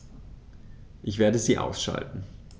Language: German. Ich werde sie ausschalten